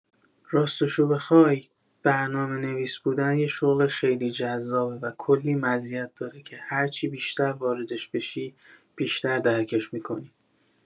راستشو بخوای، برنامه‌نویس بودن یه شغل خیلی جذابه و کلی مزیت داره که هر چی بیشتر واردش بشی، بیشتر درکش می‌کنی.